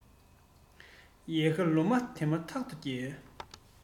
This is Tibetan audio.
ཡལ ག ལོ འདབ དེ མ ཐག ཏུ རྒྱས